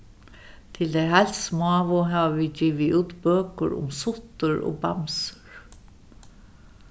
til tey heilt smáu hava vit givið út bøkur um suttur og bamsur